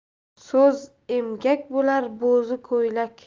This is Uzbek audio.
so'z emgak bo'lar bo'z ko'ylak